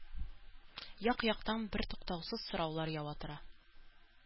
Як-яктан бертуктаусыз сораулар ява тора.